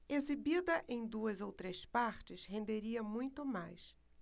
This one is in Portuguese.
exibida em duas ou três partes renderia muito mais